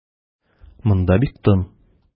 Монда бик тын.